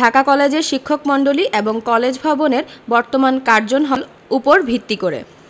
ঢাকা কলেজের শিক্ষকমন্ডলী এবং কলেজ ভবনের বর্তমান কার্জন হল উপর ভিত্তি করে